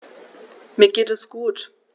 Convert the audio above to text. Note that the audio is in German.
Mir geht es gut.